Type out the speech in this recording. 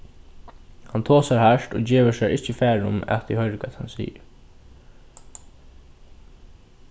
hann tosar hart og gevur sær ikki far um at eg hoyri hvat hann sigur